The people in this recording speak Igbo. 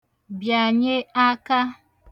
bị̀ànye aka